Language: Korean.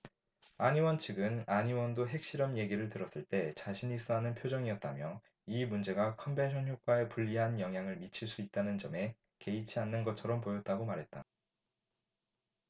안 의원 측은 안 의원도 핵실험 얘기를 들었을 때 자신있어 하는 표정이었다며 이 문제가 컨벤션효과에 불리한 영향을 미칠 수 있다는 점에 개의치 않는 것처럼 보였다고 말했다